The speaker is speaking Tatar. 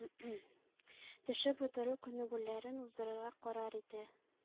Төшеп утыру күнегүләрен уздырырга карар итә.